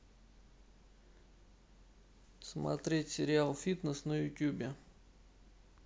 смотреть сериал фитнес на ютубе